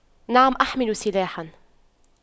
نعم أحمل سلاحا